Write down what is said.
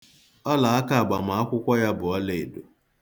Ọlaaka agbamakwụkwọ ya bụ ọlaedo.